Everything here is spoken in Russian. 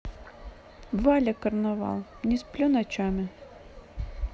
валя карнавал не сплю ночами